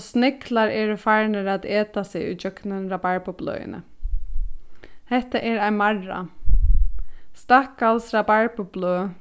og sniglar eru farnir at eta seg ígjøgnum rabarbubløðini hetta er ein marra stakkals rabarbubløð